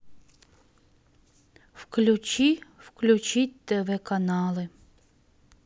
включи включить тв каналы